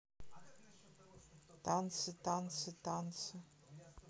танцы танцы танцы